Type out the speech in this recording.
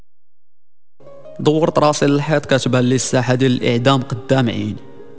ظهور تراسل لحياتك اشبال ساحه الاعدام قدام عيني